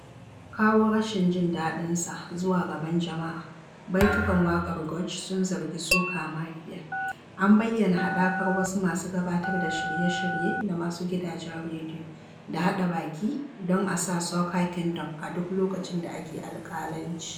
Kawo rashin jin daɗinsa zuwa gaban jama'a, baitukan waƙar George sun zargi "soca mafia" - an bayyana haɗakar wasu masu gabatar da shirye-shirye da masu gidajen rediyo - da haɗa baki don a sa "Soca Kingdom" a duk lokacin da ake alƙalanci.